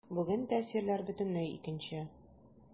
Бүген тәэсирләр бөтенләй икенче.